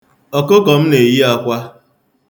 Ọkụkọ m na-eyi akwa.